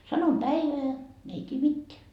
sanon päivää ne ei tiedä mitään